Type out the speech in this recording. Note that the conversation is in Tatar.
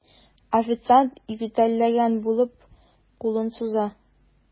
Официант, ютәлләгән булып, кулын суза.